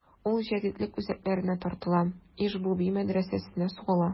Ул җәдитлек үзәкләренә тартыла: Иж-буби мәдрәсәсенә сугыла.